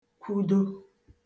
kwudo